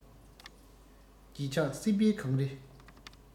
བརྗིད ཆགས སྲིད པའི གངས རི